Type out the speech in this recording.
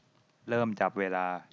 เริ่มจับเวลา